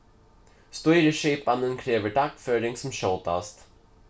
stýrisskipanin krevur dagføring sum skjótast